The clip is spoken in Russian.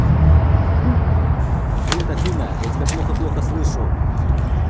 привет афина я тебя плохо плохо слышу